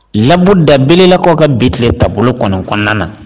Lauru dabelelakaw ka bi tilen taabolo bolo kɔnɔn kɔnɔna na